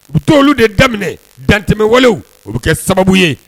U bɛ to olu de daminɛ dantɛwalew o bɛ kɛ sababu ye